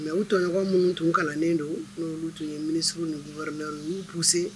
Mɛ u tɔɲɔgɔn minnu tun kalannen donolu tun ye mini ni wɛrɛ'u buuse